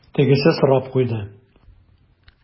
Тегесе сорап куйды: